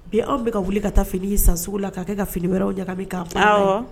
Bi anw bɛ ka wuli ka taa fini min san sugu la k'a kɛ ka fini wɛrɛw ɲagami k'an awɔ